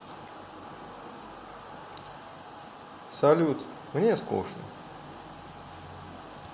салют мне скучно